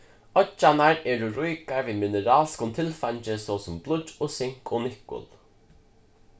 oyggjarnar eru ríkar við mineralskum tilfeingi so sum blýggj og sink og nikkul